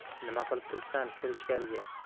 nima qilib turibsan kir ichkariga